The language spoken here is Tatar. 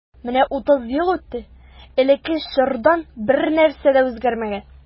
Менә утыз ел үтте, элекке чордан бернәрсә дә үзгәрмәгән.